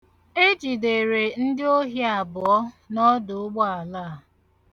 Ejidere ndị ohi abụọ n'ọdụụgbọala a.